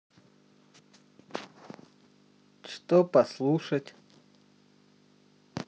что послушать